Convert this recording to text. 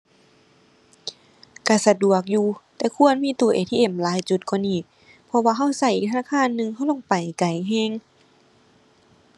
ก็สะดวกอยู่ แต่ควรมีตู้ ATM หลายจุดกว่านี้ เพราะว่าก็ก็อีกธนาคารหนึ่ง ก็ลงไปไกลก็